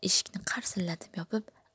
eshikni qarsillatib yopib